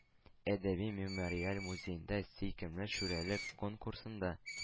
Әдәби-мемориаль музеенда “сөйкемле шүрәле” конкурсында